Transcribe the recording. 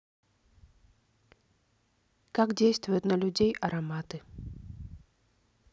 как действуют на людей ароматы